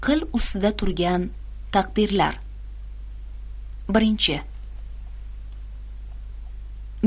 qil ustida turgan taqdirlar